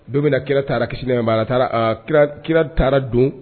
Don min na na kira taara kisi ni nɛma b'a la , taara don